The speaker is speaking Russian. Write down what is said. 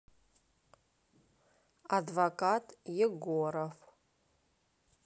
адвокат егоров